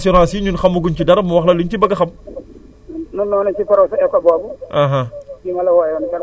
voilà très bien léegi nag abdoulaye Deme mu ngi nii comme xamuloo ko ne ko nag yow assurances yi ñun xamaguñ si dara mu wax la li nga ci bëgg a xam